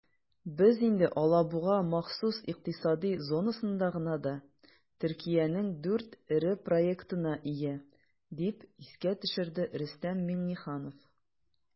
"без инде алабуга махсус икътисади зонасында гына да төркиянең 4 эре проектына ия", - дип искә төшерде рөстәм миңнеханов.